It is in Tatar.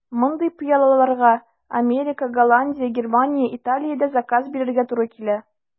Мондый пыялаларга Америка, Голландия, Германия, Италиядә заказ бирергә туры килә.